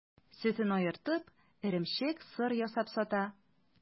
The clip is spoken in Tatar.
Сөтен аертып, эремчек, сыр ясап сата.